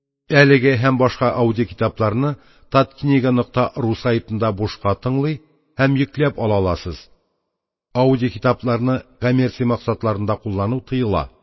Әлеге һәм башка аудиокитапларны Таткнига нокта ру сайтында бушка тыңлый һәм йөкләп ала аласыз. Аудиокитапларны коммерция максатларында куллану тыела.